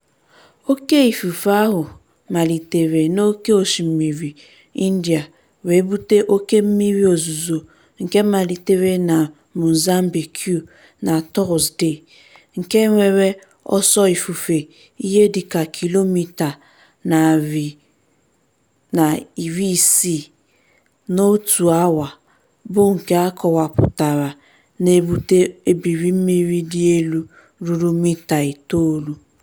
Oké ifufe ahụ malitere n'Oké Osimiri India wee bute oke mmiri ozuzo nke malitere na Mozambique na Tọzdee, nke nwere ọsọ ifufe ihe dịka kilomita 160 n'otu awa, bụ nke a kọpụtara na-ebute ebilimmiri dị elu ruru mita 9.